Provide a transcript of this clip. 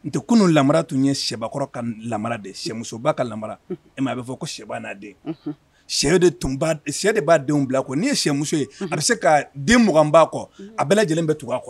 Tɛ kunun lara tun ye sɛbakɔrɔ ka lara de sɛmusoba ka lamara. Un. E m'a ye a bɛ fɔ ko sɛba n'a den. Unhun! Sɛ de tun b'a sɛ de b'a denw bila a kɔ. N'i ye sɛmuso ye. Unhun ! A bɛ se ka den 20 b'a kɔ. Unhun! A bɛɛ lajɛlen bɛ tugu a kɔ.